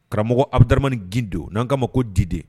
Karamɔgɔ a bɛbamani gdo n'an' ma ko did